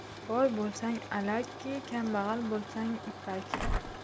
boy bo'lsang alak kiy kambag'al bo'lsang ipak